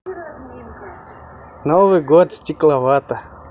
новый год steklovata